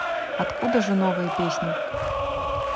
откуда же новые песни